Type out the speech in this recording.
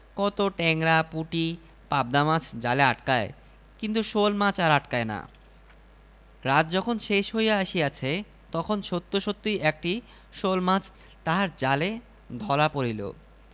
স্বামী স্ত্রীর ঝগড়া সহজেই মিটিয়া যায় দুপুরে রহিম ভাত খাইতে আসিলে বউ রহিমের কাছে জানিয়া লইল কাল সে কোন ক্ষেতে হাল বাহিবে